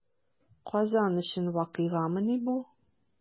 Казан өчен вакыйгамыни бу?